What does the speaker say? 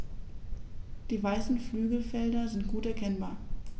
Die weißen Flügelfelder sind gut erkennbar.